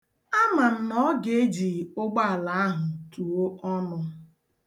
Ama m na ọ ga-eji ugbọala ahụ tuo ọnụ.